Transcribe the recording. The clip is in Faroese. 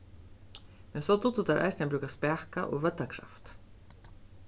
men so dugdu teir eisini at brúka spaka og vøddakraft